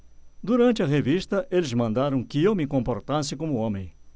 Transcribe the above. durante a revista eles mandaram que eu me comportasse como homem